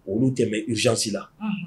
Olu tɛm uzsila